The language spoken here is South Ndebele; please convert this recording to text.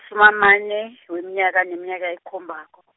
-sumi amane, weminyaka neminyaka ekhombako.